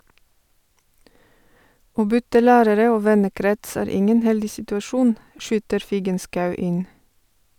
Å bytte lærere og vennekrets er ingen heldig situasjon, skyter Figenschou inn.